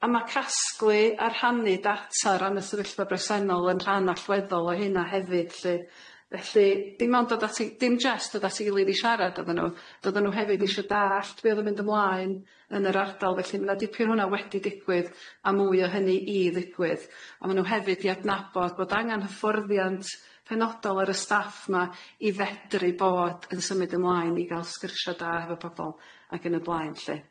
A ma' casglu a rhannu data o ran y sefyllfa bresennol yn rhan allweddol o hynna hefyd lly, felly dim ond dod at- dim jyst dod at 'i gilydd i siarad oddan nhw, ond oddan nhw hefyd isio dallt be' o'dd yn mynd ymlaen yn yr ardal felly ma' 'na dipyn o hwnna wedi digwydd a mwy o hynny i ddigwydd a ma' nhw hefyd i adnabod bod angan hyfforddiant penodol ar y staff 'ma i fedru bod yn symud ymlaen i ga'l sgyrsia da hefo pobol ac yn y blaen lly.